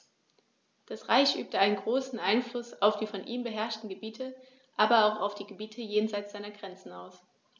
Das Reich übte einen großen Einfluss auf die von ihm beherrschten Gebiete, aber auch auf die Gebiete jenseits seiner Grenzen aus.